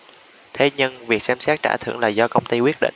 thế nhưng việc xem xét trả thưởng là do công ty quyết định